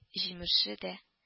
Җимеше дә